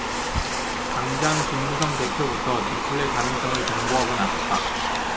당장 김무성 대표부터 디플레 가능성을 경고하고 나섰다